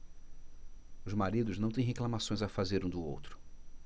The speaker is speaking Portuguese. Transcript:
os maridos não têm reclamações a fazer um do outro